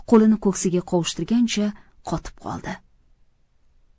qo'lini ko'ksiga qovushtirgancha qotib qoldi